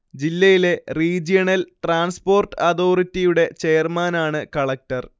ജില്ലയിലെ regional transport അതോറിറ്റിയുടെ ചെയർമാനാണ് കളക്ടർ